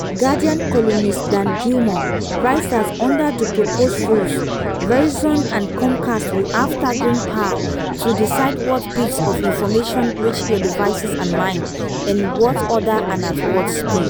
Guardian columnist Dan Gillmor writes that under the proposed rules, “Verizon and Comcast will have staggering power to decide what bits of information reach your devices and mine, in what order and at what speed.”